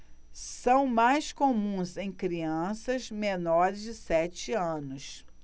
são mais comuns em crianças menores de sete anos